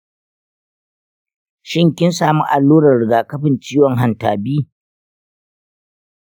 shin kin sami allurar rigakafin ciwon hanta b?